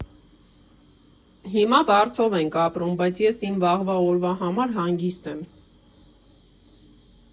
Հիմա վարձով ենք ապրում, բայց ես իմ վաղվա օրվա համար հանգիստ եմ։